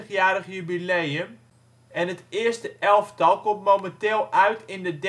60-jarig jubileum en het eerste elftal komt momenteel uit in de